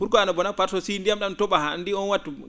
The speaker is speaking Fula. pourquoi no bona par ce si ndiyam ?am ?i to?a han anndi oon waktu